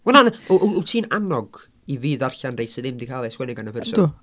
Wel na na w- wyt ti'n annog i fi ddarllen rhai sydd ddim 'di cael eu sgwennu gan y... yndw ...person?